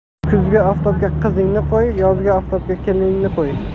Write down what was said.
kuzgi oftobga qizingni qo'y yozgi oftobga keliningni qo'y